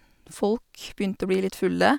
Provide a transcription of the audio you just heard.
Folk begynte å bli litt fulle.